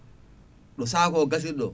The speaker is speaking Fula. ɗo sac o gasiri ɗo